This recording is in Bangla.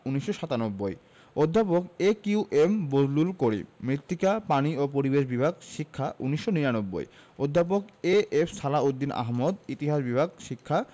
১৯৯৭ অধ্যাপক A Q M Bazlul Karim মৃত্তিকা পানি ও পরিবেশ বিভাগ শিক্ষা ১৯৯৯ অধ্যাপক এ.এফ সালাহ উদ্দিন আহমদ ইতিহাস বিভাগ শিক্ষা